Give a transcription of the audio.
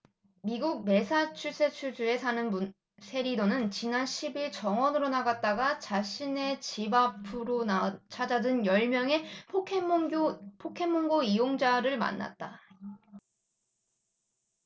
미국 매사추세츠주에 사는 분 셰리던은 지난 십 일 정원으로 나갔다가 자신의 집 앞으로 찾아든 열 여명의 포켓몬 고 이용자들을 만났다